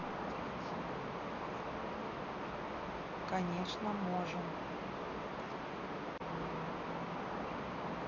конечно можем